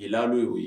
I n'o yeo ye